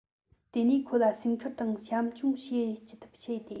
དེ ནས ཁོ ལ སེམས ཁུར དང བྱམས སྐྱོང བྱེད ཅི ཐུབ བྱས ཏེ